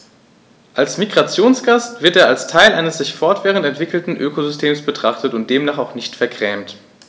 Als Migrationsgast wird er als Teil eines sich fortwährend entwickelnden Ökosystems betrachtet und demnach auch nicht vergrämt.